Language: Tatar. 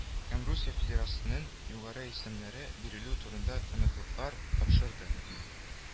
Һәм русия федерациясенең югары исемнәре бирелү турында таныклыклар тапшырды